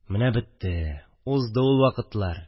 Менә бетте, узды ул вакытлар